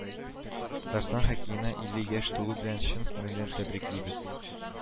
Татарстан хоккеена илле яшь тулу белән чын күңелдән тәбриклибез